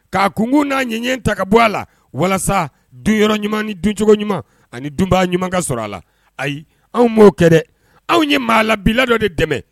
K'a kunkun n'a ɲɛ ɲɛ ta ka bɔ a la walasa don yɔrɔ ɲuman ni duncogo ɲuman ani dunbaa ɲumanka sɔrɔ a la ayi anw b'o kɛ dɛ anw ye maa labilala dɔ de dɛmɛ